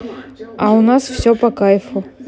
а у нас все по кайфу